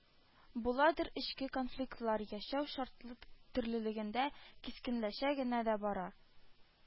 Буладыр, эчке конфликтлар яшәү шартлары төрлелегендә кискенләшә генә дә бара